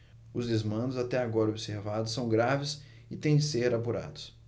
os desmandos até agora observados são graves e têm de ser apurados